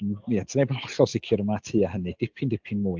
mmhm ia 'sa neb yn hollol sicr ond mae o tua hynny dipyn dipyn mwy.